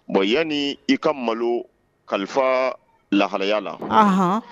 Bon yanani i ka malo kalifa laharaya la